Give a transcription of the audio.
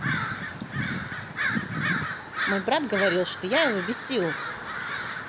мой брат говорит что я его бесил